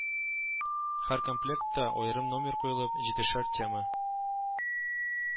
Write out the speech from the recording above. Һәр комплектка, аерым номер куелып, җиде шәр тема